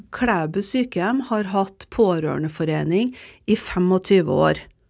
Klæbu sykehjem har hatt pårørendeforening i 25 år.